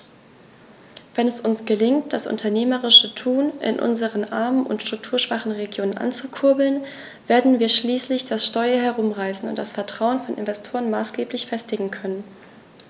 Wenn es uns gelingt, das unternehmerische Tun in unseren armen und strukturschwachen Regionen anzukurbeln, werden wir schließlich das Steuer herumreißen und das Vertrauen von Investoren maßgeblich festigen können.